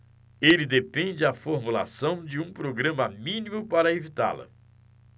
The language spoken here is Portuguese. ele defende a formulação de um programa mínimo para evitá-la